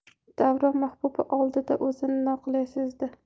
davron mahbuba oldida o'zini noqulay sezdi